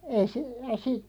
ei se ei -